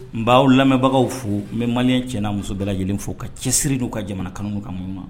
N b'aw lamɛbagaw fo n bɛ malien cɛ n'a muso bɛɛ lajɛlen fo u ka cɛsiri n'u ka jamana kanu kan mun ma